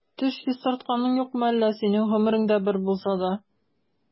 Теш чистартканың юкмы әллә синең гомереңдә бер булса да?